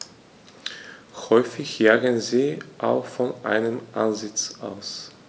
Häufig jagen sie auch von einem Ansitz aus.